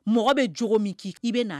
Mɔgɔ bɛ diogo min kɛ i bɛ na